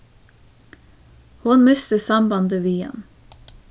hon misti sambandið við hann